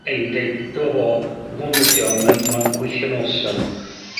a i deud dyma fo. Ma' hwn ydi o. Ma'n ma'n gweithio'n awesome